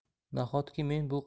nahotki men bu